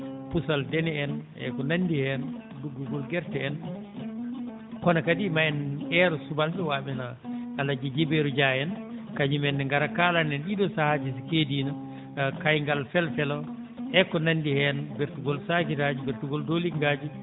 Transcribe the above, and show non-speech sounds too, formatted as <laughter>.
puusal deene en e ko nanndi heen duggugol gerte en kono kadi maa en eero subalɓe waaɓe no alaaji Djibru Dia en kañumen ne ngara kaalana en ɗii ɗoo sahaaji so keediino <hesitation> kaygal felo felo e ko nanndi heen bertugol sahiraaji bertugol doliŋngaaji